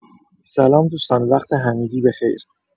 سلام دوستان وقت همگی بخیر